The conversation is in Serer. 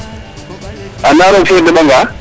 anda roog fe deɓanga